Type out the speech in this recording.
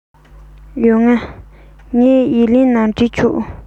ཡོང ང ངས ཡིག ལན ནང བྲིས ཆོག